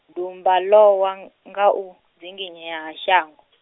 dumba lowa nga u, dzinginyea ha shango.